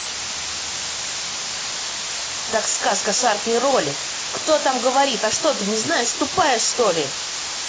так сказка шарки ролик кто там говорит а что ты не знаешь тупая что ли